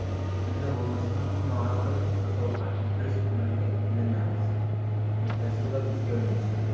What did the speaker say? kunda bo'lmasa ham kun ora bir kosa ovqatni biz ularga ilinamiz ertasiga ular bizga ilinishadi